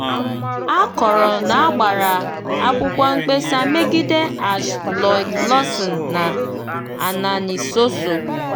A kọrọ na ọ gbara akwụkwọ mkpesa megide #LoicLawson na #AnaniSossou.